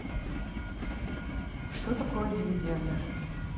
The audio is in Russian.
что такое дивиденды